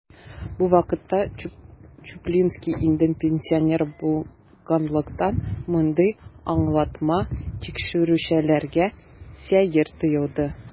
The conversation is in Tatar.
Бу вакытка Чуплинский инде пенсионер булганлыктан, мондый аңлатма тикшерүчеләргә сәер тоелды.